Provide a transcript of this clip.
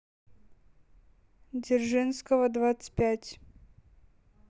дзержинского двадцать пять